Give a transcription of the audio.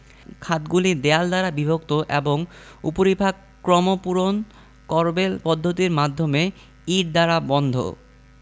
খাতগুলি দেয়াল দ্বারা বিভক্ত এবং উপরিভাগ ক্রমপূরণ করবেল পদ্ধতির মাধ্যমে ইট দ্বারা বন্ধ